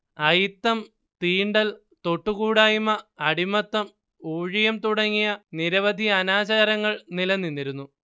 അയിത്തം തീണ്ടൽ തൊട്ടുകൂടായ്മ അടിമത്തം ഊഴിയം തുടങ്ങി നിരവധി അനാചാരങ്ങൾ നിലനിന്നിരുന്നു